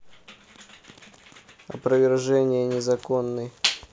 опровержение незаконной